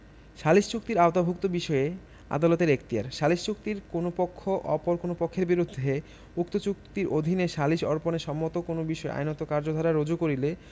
সালিস চুক্তির আওতাভুক্ত বিষয়ে আদালতের এখতিয়ারঃ সালিস চুক্তির কোন পক্ষ অপর কোন পক্ষের বিরুদ্ধে উক্ত চুক্তির অধীনৈ সালিস অর্পণে সম্মত কোন বিষয়ে আইনগত কার্যধারা রুজু করিলে